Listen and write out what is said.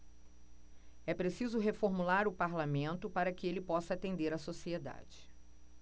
é preciso reformular o parlamento para que ele possa atender a sociedade